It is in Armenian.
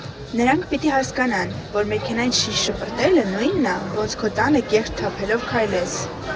Նրանք պիտի հասկանան, որ մեքենայից շիշ շպրտելը նույն ա, ոնց քո տանը կեղտ թափելով քայլես։